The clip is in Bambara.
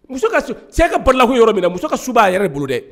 Muso cɛ ka barala yɔrɔ min na muso ka su b'a yɛrɛ bolo dɛ